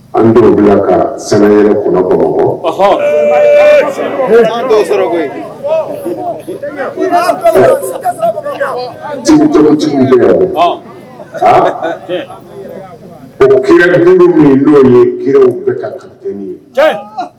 An dɔw bila ka sama yɛrɛ kɔnɔ' ko ki ye kiw bɛɛ kate ye